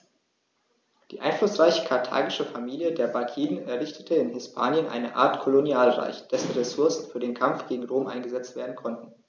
Die einflussreiche karthagische Familie der Barkiden errichtete in Hispanien eine Art Kolonialreich, dessen Ressourcen für den Kampf gegen Rom eingesetzt werden konnten.